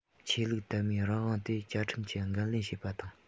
ཆོས ལུགས དད མོས རང དབང དེར བཅའ ཁྲིམས ཀྱིས འགན ལེན བྱེད པ དང